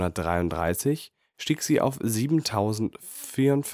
1933 stieg sie auf 7.054. Im